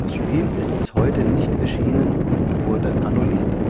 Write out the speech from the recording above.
Spiel ist bis heute nicht erschienen und annulliert